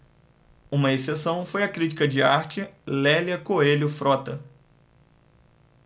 uma exceção foi a crítica de arte lélia coelho frota